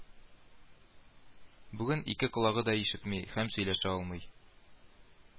Бүген ике колагы да ишетми һәм сөйләшә алмый